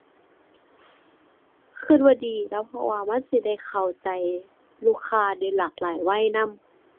คิดว่าดีแหล้ว เพราะว่ามันสิได้เข้าใจลูกค้าได้หลากหลายวัยนำ